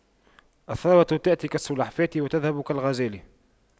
الثروة تأتي كالسلحفاة وتذهب كالغزال